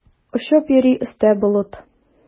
Очып йөри өстә болыт.